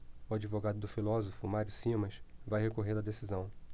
o advogado do filósofo mário simas vai recorrer da decisão